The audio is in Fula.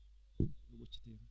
o ɓoccitiima